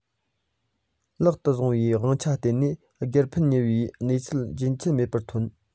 ལག ཏུ བཟུང བའི དབང ཆར བརྟེན ནས སྒེར ཕན གཉེར བའི སྣང ཚུལ རྒྱུན ཆད མེད པར ཐོན